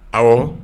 Ɔwɔ